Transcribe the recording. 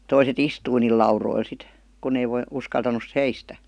toiset istui niillä laudoilla sitten kun ei - uskaltanut seistä